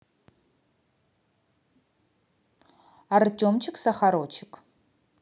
артемчик сахарочек